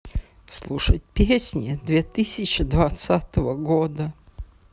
слушать песни две тысячи двадцатого года